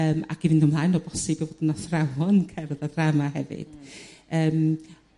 Yrm ac i fynd ymlaen o bosib i fod yn athrawon cerdd a ddrama hefyd yrm.